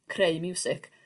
...creu miwsig.